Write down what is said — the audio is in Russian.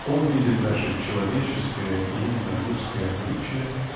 он видит наше человеческое и именно русское обличие